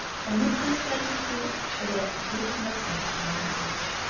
Танып-белү процессы кешегә зур хөрмәттән башланырга тиеш.